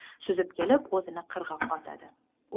suzib kelib o'zini qirg'oqqa otadi